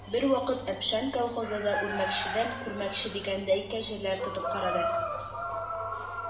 Бервакыт «Әпшән» колхозы да, үрмәкчедән күрмәкче дигәндәй, кәҗәләр тотып карады.